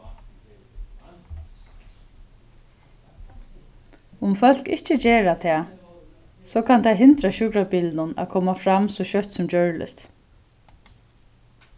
um fólk ikki gera tað so kann tað hindra sjúkrabilinum at koma fram so skjótt sum gjørligt